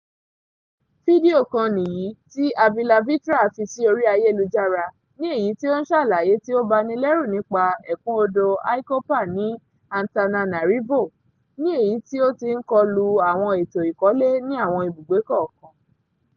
Fídíò kan nìyí tí avyalvitra fi sí orí ayélujára ní èyí tí ó ń ṣàlàyé tí ó bani lẹ́rù nípa ẹ̀kún odò Ikopa ní Antananarivo, ní èyí tí ó ti ń kọlu àwọn ètò ìkọ́lé ní àwọn ibùgbé kọ̀ọ̀kan.